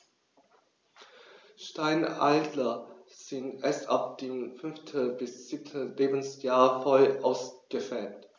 Steinadler sind erst ab dem 5. bis 7. Lebensjahr voll ausgefärbt.